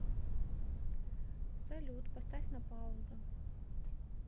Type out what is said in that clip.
салют поставь на паузу